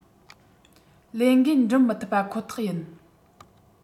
ལས འགན འགྲུབ མི ཐུབ པ ཁོ ཐག ཡིན